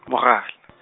mogala .